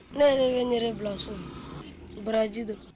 ne yɛre de bɛ n yɛrɛ bila sun na baraji de don